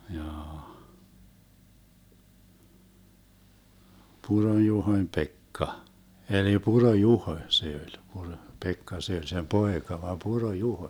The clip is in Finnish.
jaa Puron-Juhon Pekka eli Puro-Juho se oli - Puro-Pekka se oli sen poika vain Puro-Juho